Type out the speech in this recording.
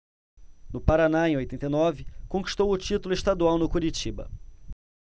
no paraná em oitenta e nove conquistou o título estadual no curitiba